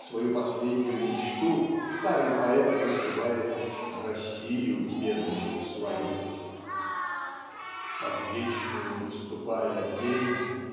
свою последнюю мечту старый поэт воспевает "Россию бедную свою" Под вечную вступая тень